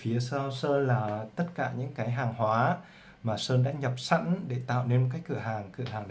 sau lưng sơn là tất cả hàng hóa sơn nhập sẵn để tạo nên cửa hàng